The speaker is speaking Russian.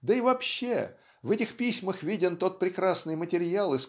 да и вообще в этих письмах виден тот прекрасный материал